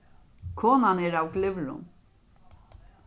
konan er av glyvrum